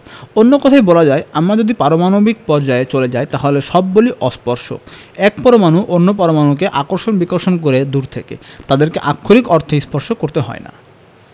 অন্য কথায় বলা যায় আমরা যদি পারমাণবিক পর্যায়ে চলে যাই তাহলে সব বলই অস্পর্শক এক পরমাণু অন্য পরমাণুকে আকর্ষণ বিকর্ষণ করে দূর থেকে তাদেরকে আক্ষরিক অর্থে স্পর্শ করতে হয় না